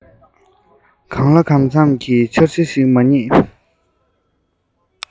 གང ལ གང འཚམ གྱི འཆར གཞི ཞིག མ རྙེད